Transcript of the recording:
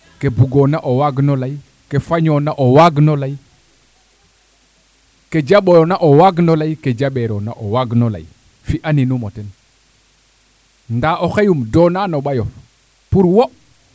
ke bugona o waag no ley ke fañona o waag no ley ke jaɓoona o waag no ley ke jaɓeerona o waag no ley fi'a ninum o ten nda oxey im doona no ɓayof pour wo